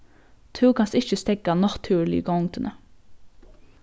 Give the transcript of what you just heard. tú kanst ikki steðga náttúruligu gongdini